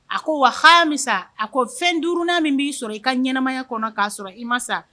A ko wa haami sa a ko fɛn duurunna min b'i sɔrɔ i ka ɲɛnaɛnɛmaya kɔnɔ k'a sɔrɔ i ma sa